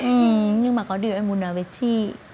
ừ nhưng mà có điều em muốn nói với chị